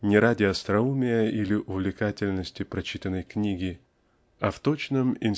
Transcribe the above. не ради остроумия или увлекательности прочитанной книги --а в точно л